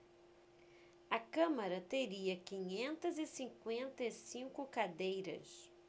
a câmara teria quinhentas e cinquenta e cinco cadeiras